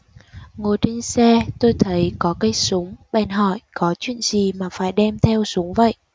ngồi trên xe tôi thấy có cây súng bèn hỏi có chuyện gì mà phải đem theo súng vậy